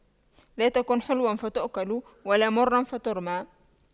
لا تكن حلواً فتؤكل ولا مراً فترمى